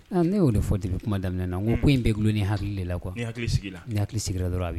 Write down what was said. Aa ne y'o de fɔ depuis kuma daminɛ na, n ko ko in bɛɛ dulon ni hakili de la quoi . N'i hakili sigira. N'i hakili sigira dɔrɔn a b'i